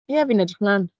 Ie, fi'n edrych ymlaen.